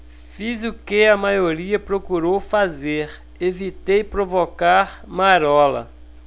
fiz o que a maioria procurou fazer evitei provocar marola